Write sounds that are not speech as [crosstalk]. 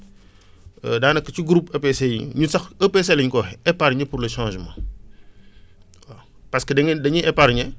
[breath] daanaka ci groupe EPC yi ñun sax EPC la ñu ko waxee épargne pour le changement [noise] [breath] waaw parce que da ngeen dañuy épargner